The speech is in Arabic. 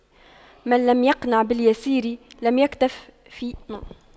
من لم يقنع باليسير لم يكتف بالكثير